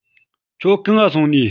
ཁྱོད གང ལ སོང ནས